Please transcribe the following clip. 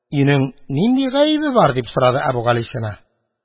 Өйнең нинди гаебе бар? – дип сорады Әбүгалисина.